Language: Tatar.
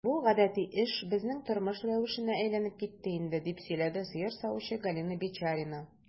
Бу гадәти эш, безнең тормыш рәвешенә әйләнеп китте инде, - дип сөйләде сыер савучы Галина Бичарина.